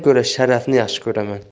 ko'ra sharafni yaxshi ko'raman